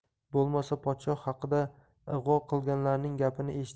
bo'lmasa podshoh haqida ig'vo qilganlarning